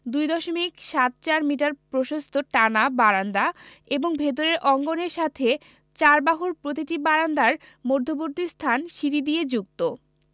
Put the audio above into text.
২ দশমিক সাত চার মিটার প্রশস্ত টানা বারান্দা এবং ভেতরের অঙ্গনের সাথে চারবাহুর প্রতিটি বারান্দার মধ্যবর্তীস্থান সিঁড়ি দিয়ে যুক্ত